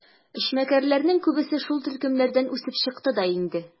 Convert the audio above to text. Эшмәкәрләрнең күбесе шул төркемнәрдән үсеп чыкты да инде.